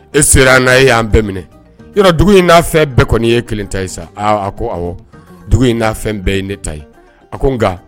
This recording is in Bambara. E sera n na e y'an bɛɛ minɛ dugu in n'a fɛn bɛɛ kɔni ye kelen ta ye sa aaa a ko dugu in n'a fɛn bɛɛ ye ne ta ye a ko n nka